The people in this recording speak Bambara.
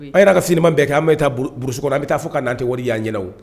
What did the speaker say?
Aw y' ka sinima bɛn kɛ an taauruso kɔnɔ an bɛ taa fɔ ka natɛ wari y'an ɲɛ o